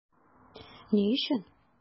Ни өчен?